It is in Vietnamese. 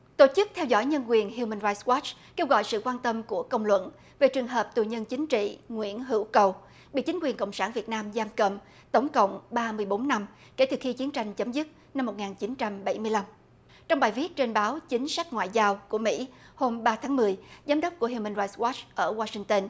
tổ chức theo dõi nhân quyền hiu mừn roai goát kêu gọi sự quan tâm của công luận về trường hợp tù nhân chính trị nguyễn hữu cầu bị chính quyền cộng sản việt nam giảm cầm tổng cộng ba mươi bốn năm kể từ khi chiến tranh chấm dứt năm một nghìn chín trăm bảy mươi lăm trong bài viết trên báo chính sách ngoại giao của mỹ hôm ba tháng mười giám đốc của hiu mừn roai goát ở oa sinh tơn